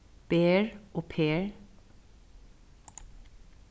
ber og per